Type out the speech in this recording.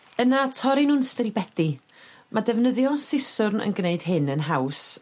Yna torri nw'n stribedi ma' defnyddio siswrn yn gneud hyn yn haws